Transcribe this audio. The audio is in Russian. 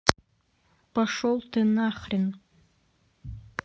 пошел ты нахрен